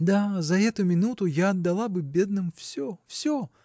– Да, за эту минуту я отдала бы бедным все, все!